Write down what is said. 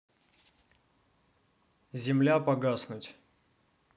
земля погаснуть